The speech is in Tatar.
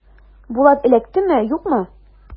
Булат эләктеме, юкмы?